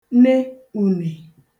ne ùnè